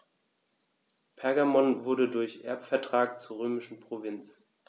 Pergamon wurde durch Erbvertrag zur römischen Provinz.